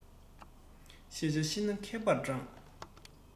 ཤེས བྱ ཤེས ན མཁས པར བགྲང